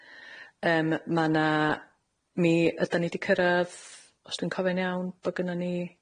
Yym ma' 'na... Mi ydan ni 'di cyrradd, os dwi'n cofio'n iawn, bo' gynnon ni